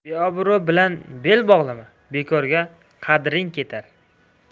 beobro' bilan bel bog'lama bekorga qadring ketar